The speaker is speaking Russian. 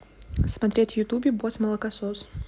смотреть в ютубе босс молокосос